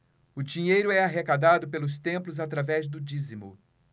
o dinheiro é arrecadado pelos templos através do dízimo